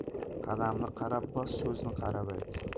qadamni qarab bos so'zni qarab ayt